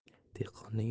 dehqonning uyi kuysa